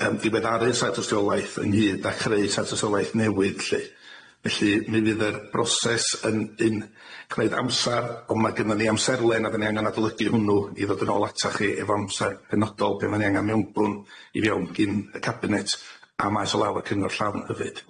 yym ddiweddaru'r sail tystiolaeth ynghyd â chreu sail tystiolaeth newydd lly felly mi fydd yr broses yn un cymeryd amsar on' ma' gynnon ni amserlen a 'da ni angan adolygu hwnnw i ddod yn ôl atach chi efo amsar penodol bydda ni angan mewnbwn i fewn gin y cabinet a maes o law y cyngor llawn hefyd.